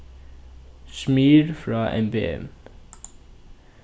smyr frá mbm